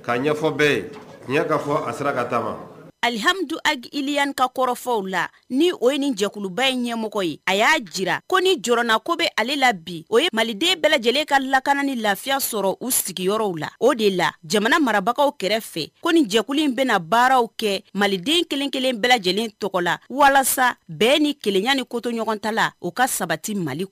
Alihamidu a il ka kɔrɔfɔw la ni o ye ni jɛba in ɲɛmɔgɔ ye a y'a jira ko ni dɔrɔnna ko bɛ ale la bi o ye maliden bɛɛ lajɛlen ka lakana ni lafiya sɔrɔ u sigiyɔrɔw la o de la jamana marabagaw kɛrɛfɛ ko jɛkulu bɛna baaraw kɛ maliden kelenkelen bɛɛ lajɛlen tɔgɔ la walasa bɛɛ ni kelenyaani kotuɲɔgɔn ta la u ka sabati mali kɔnɔ